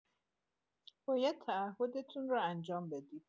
باید تعهدتون را انجام بدید